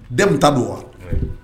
Bɛɛ de ta don wa